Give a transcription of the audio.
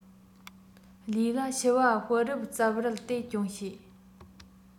ལུས ལ ཕྱུ པ སྤུ རུབ རྩབ རལ དེ གྱོན བྱས